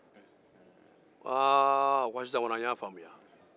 u ko sisan kɔni an y'a faamuya